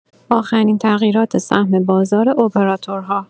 آخرین تغییرات سهم بازار اپراتورها